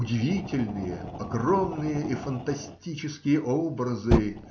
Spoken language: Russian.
Удивительные, огромные и фантастические образы.